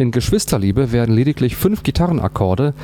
Geschwisterliebe “werden lediglich fünf Gitarrenakkorde